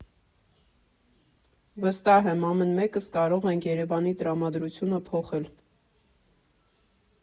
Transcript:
Վստահ եմ, ամեն մեկս կարող ենք Երևանի տրամադրությունը փոխել։